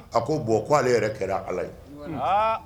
A ko bɔn k' ale yɛrɛ kɛra ala ye